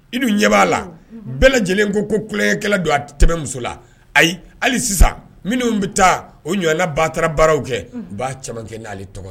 I dun ɲɛ b'a la bɛɛ lajɛlen ko ko kukɛkɛla don a tɛmɛ muso la ayi hali sisan minnu bɛ taa o ɲɔla ba taara baararaww kɛ u' cɛman kɛ n'ale tɔgɔ